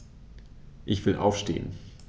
Ich will aufstehen.